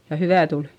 ja hyvää tuli